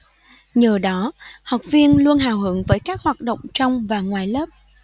nhờ đó học viên luôn hào hứng với các hoạt động trong và ngoài lớp